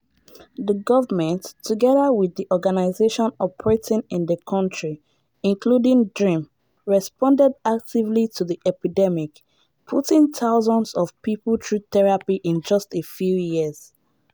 The government, together with the organisations operating in the country, including DREAM, responded actively to the epidemic, putting thousands of people through therapy in just a few years.